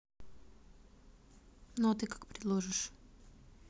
ну а ты как предложишь